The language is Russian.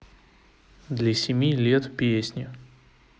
для семи лет песни